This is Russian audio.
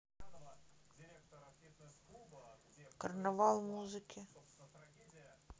карнавал музыки